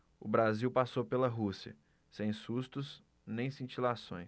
o brasil passou pela rússia sem sustos nem cintilações